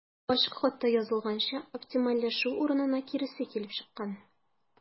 Ачык хатта язылганча, оптимальләшү урынына киресе килеп чыккан.